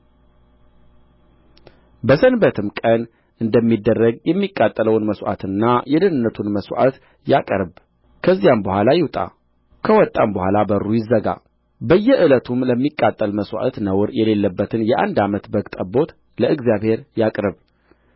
በሰንበትም ቀን እንደሚያደርግ የሚቃጠለውን መሥዋዕትና የደኅንነቱን መሥዋዕት ያቅርብ ከዚያም በኋላ ይውጣ ከወጣም በኋላ በሩ ይዘጋ በየዕለቱም ለሚቃጠል መሥዋዕት ነውር የሌለበትን የአንድ ዓመት በግ ጠቦት ለእግዚአብሔር ያቅርብ